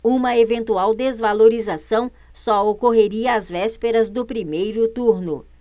uma eventual desvalorização só ocorreria às vésperas do primeiro turno